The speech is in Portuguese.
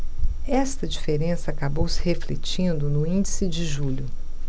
esta diferença acabou se refletindo no índice de julho